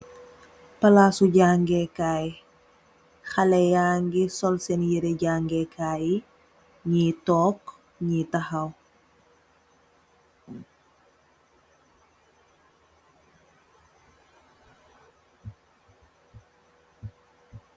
Palasu jangèè kai, xaleh ya ngu sol sèèn yirèh jan'ngeh kai yi, ngi tóóg, ngi taxaw.